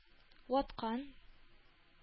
Ваткан